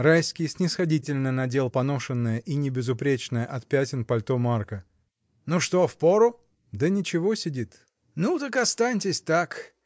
Райский снисходительно надел поношенное и небезупречное от пятен пальто Марка. — Ну что, впору? — Да ничего, сидит! — Ну так останьтесь так.